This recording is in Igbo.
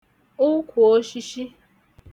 ukwùoshishi